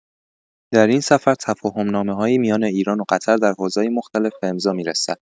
در این سفر تفاهم نامه‌هایی میان ایران و قطر در حوزه‌های مختلف به امضا می‌رسد.